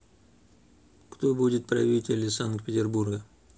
кто будет правители санкт петербурга